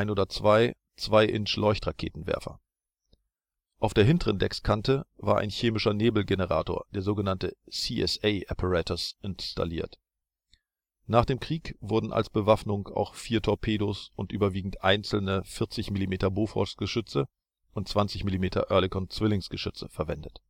oder zwei 2 Inch Leuchtraketenwerfer. Auf der hinteren Deckskante war ein chemischer Nebelgenerator (CSA-Apparatus) installiert. Nach dem Krieg wurden als Bewaffnung auch vier Torpedos und überwiegend einzelne 40 mm Boforsgeschütze und 20 mm Oerlikon Zwillingsgeschütze verwendet